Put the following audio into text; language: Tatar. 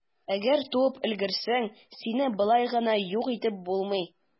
Әгәр туып өлгерсәң, сине болай гына юк итеп булмый.